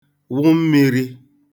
wụ mmīrī